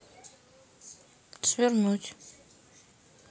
свернуть